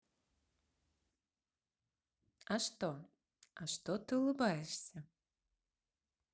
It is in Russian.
а что а что ты улыбаешься